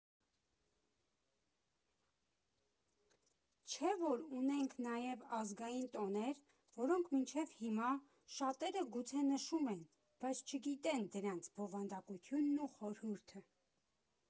Չէ՞ որ ունենք նաև ազգային տոներ, որոնք մինչև հիմա շատերը գուցե նշում են, բայց չգիտեն դրանց բովանդակությունն ու խորհուրդը։